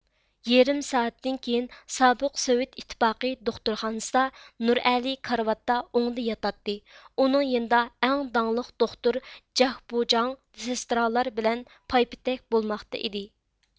يېرىم سائەتتىن كېيىن سابىق سوۋېت ئىتتىپاقى دوختۇرخانىسىدا نۇرئەلى كارىۋاتتا ئوڭدا ياتاتتى ئۇنىڭ يېنىدا ئەڭ داڭلىق دوختۇر جاكبۇجاڭ سېستىرالار بىلەن پايپېتەك بولماقتا ئىدى